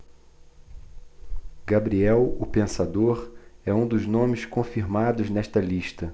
gabriel o pensador é um dos nomes confirmados nesta lista